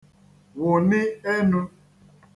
wụni enū